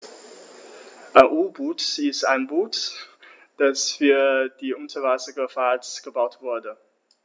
Ein U-Boot ist ein Boot, das für die Unterwasserfahrt gebaut wurde.